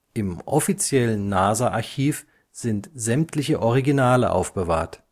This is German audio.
Im offiziellen NASA-Archiv sind sämtliche Originale aufbewahrt